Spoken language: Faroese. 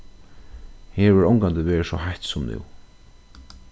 her hevur ongantíð verið so heitt sum nú